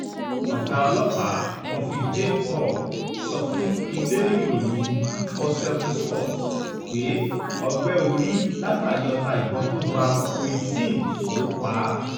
Ọ̀gá ọlọ́pàá, Murphy J. Paul sọ fún ilé-ìròyìn 247sports pe “Ọgbẹ́ orí látàrí ọta ìbọn tó ba Wayde Sims ló pa á.”